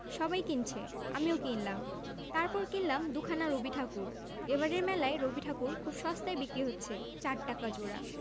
সবাই কিনছে আমিও কিনলাম তারপর কিনলাম দু'খানা রবিঠাকুর এবারের মেলায় রবিঠাকুর খুব সস্তায় বিক্রি হচ্ছে চার টাকা জোড়া